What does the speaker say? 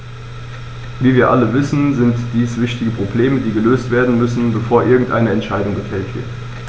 Wie wir alle wissen, sind dies wichtige Probleme, die gelöst werden müssen, bevor irgendeine Entscheidung gefällt wird.